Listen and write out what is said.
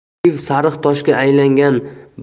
kiv sariq toshga aylangan